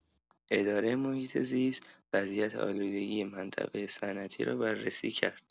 اداره محیط‌زیست وضعیت آلودگی منطقه صنعتی را بررسی کرد.